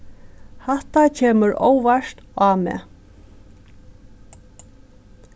hatta kemur óvart á meg